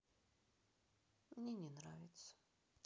мне не нравится